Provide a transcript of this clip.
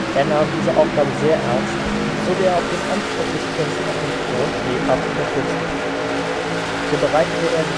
Er nahm diese Aufgabe sehr ernst, so wie er auch den Anspruch des Prinzen auf den Thron lebhaft unterstützte. So bereitete er